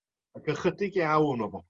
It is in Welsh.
Ac ychydig iawn o